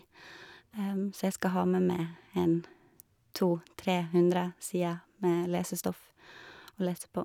Så jeg skal ha med meg en to tre hundre sider med lesestoff å lese på.